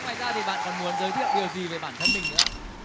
ngoài ra thì bạn có muốn giới thiệu điều gì về bản thân mình nữa ạ